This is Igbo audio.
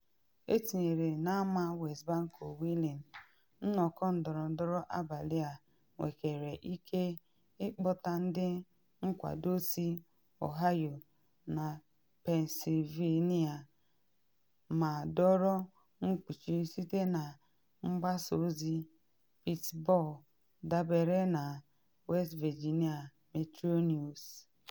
Etinyere na Ama Wesbanco Wheeling, nnọkọ ndọrọndọrọ abalị a nwekere ike ịkpọta ndị nkwado si “Ohio na Pennsylvania ma dọrọ mkpuchi site na mgbasa ozi Pittsburgh,”dabere na West Virginia Metro News.